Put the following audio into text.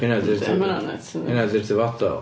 Hynna di'r... Ma' hynna'n nuts yndi... Hynna 'di'r dyfodol.